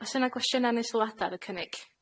O's yna gwestiyna' ne' sylwada' ar y cynnig?